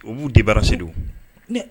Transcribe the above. U b'u de bara se don ne